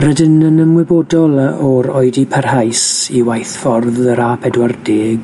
Rydyn yn ymwybodol yy o'r oedi parhaus i waith ffordd yr A pedwar deg